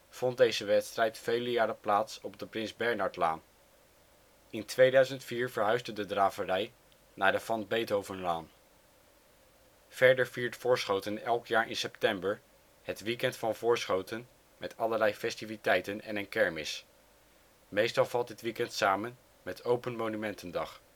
vond deze wedstrijd vele jaren plaats op de Prins Bernhardlaan. In 2004 verhuisde de draverij naar de Van Beethovenlaan. Verder viert Voorschoten elk jaar in september het Weekend van Voorschoten met allerlei festiviteiten en een kermis. Meestal valt dit weekend samen met Open Monumentendag